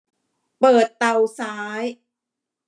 เปิดเตาซ้าย